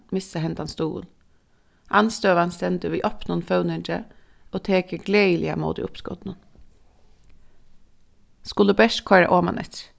missa hendan stuðul andstøðan stendur við opnum føvningi og tekur gleðiliga ímóti uppskotinum skulu bert koyra omaneftir